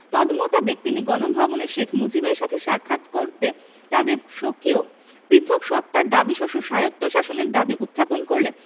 তদমোতাবেক তিনি গণভবনে শেখ মুজিবের সাথে সাক্ষাৎ করত তাদের স্বকীয় পৃথক সত্তার দাবীসহ স্বায়ত্বশাসনের দাবী উত্থাপন করলে